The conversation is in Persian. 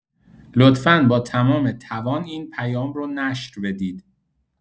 لطفا با تمام توان این پیام رو نشر بدید.